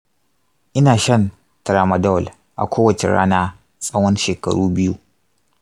ina shan tramadol a kowace rana tsawon shekaru biyu.